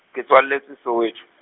ke tswaletswe Soweto.